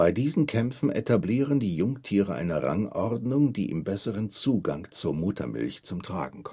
diesen Kämpfen etablieren die Jungtiere eine Rangordnung, die im besseren Zugang zur Muttermilch zum Tragen